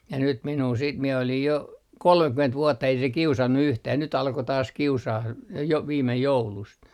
ja nyt minua sitten minä olin jo kolmekymmentä vuotta ei se kiusannut yhtään nyt alkoi taas kiusaamaan - jo viime joulusta